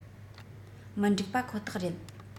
མི འགྲིག པ ཁོ ཐག རེད